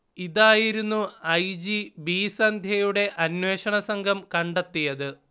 ഇതായിരുന്നു I. G. B സന്ധ്യയുടെ അന്വേഷണസംഘം കണ്ടത്തിയത്